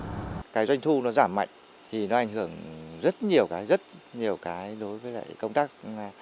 cái doanh thu giảm mạnh thì ra ảnh hưởng rất nhiều rất nhiều cái đối với lại công tác